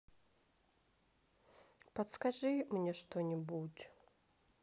подскажи мне что нибудь